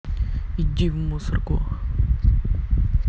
иди в мусорку